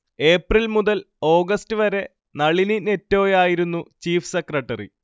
ഏപ്രിൽമുതൽ ഓഗസ്റ്റ്വരെ നളിനി നെറ്റോയായിരുന്നു chief secretary